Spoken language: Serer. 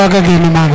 o tewa waga genu mga